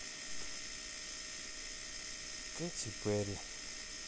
кэти перри